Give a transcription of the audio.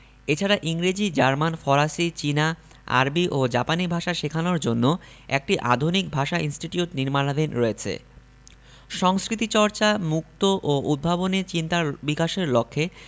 এছাড়া ইংরেজি জার্মান ফরাসি চীনা আরবি ও জাপানি ভাষা শেখানোর জন্য একটি আধুনিক ভাষা ইনস্টিটিউট নির্মাণাধীন রয়েছে সংস্কৃতিচর্চা মুক্ত ও উদ্ভাবনী চিন্তার বিকাশের লক্ষ্যে